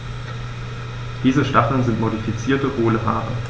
Diese Stacheln sind modifizierte, hohle Haare.